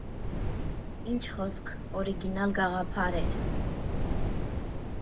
Ինչ խոսք, օրիգինալ գաղափար էր։